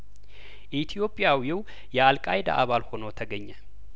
ኢትዮጵያዊው የአልቃይዳ አባል ሆኖ ተገኘ